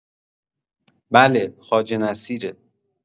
بله خواجه نصیره.